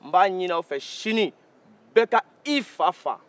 n b'a ɲini aw fɛ sini bɛ k'i fa faga